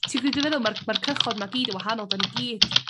Ti gw'd be' dwi feddwl ma'r ma'r cychod 'ma gyd yn wahanol 'dan ni gyd